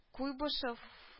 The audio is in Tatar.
Куйбышефф